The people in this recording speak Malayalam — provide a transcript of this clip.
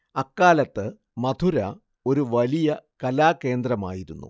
അക്കാലത്ത് മഥുര ഒരു വലിയ കലാകേന്ദ്രമായിരുന്നു